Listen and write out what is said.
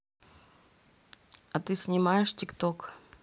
а ты снимаешь тик ток